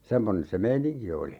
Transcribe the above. semmoinen se meininki oli